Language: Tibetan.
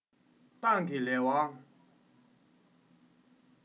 ཏང གི ལས དབང